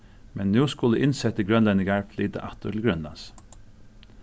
men nú skulu innsettir grønlendingar flyta aftur til grønlands